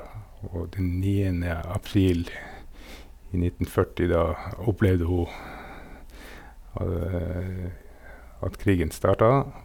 Og den niende april i nitten førti, da opplevde hun at krigen starta.